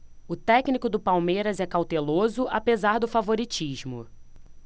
o técnico do palmeiras é cauteloso apesar do favoritismo